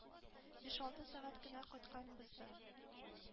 Биш-алты сәгать кенә кайтканбыздыр.